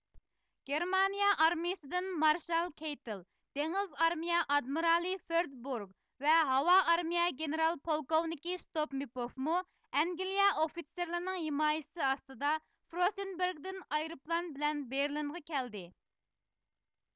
گېرمانىيە ئارمىيىسىدىن مارشال كېيتېل دېڭىز ئارمىيە ئادمېرالى فرېد بۇرگ ۋە ھاۋا ئارمىيە گېنېرال پولكوۋنىكى ستوپمپۇفمۇ ئەنگلىيە ئوفىتسېرلىرىنىڭ ھىمايىسى ئاستىدا فروسېنېبرگدىن ئايروپىلان بىلەن بېرلىنغا كەلدى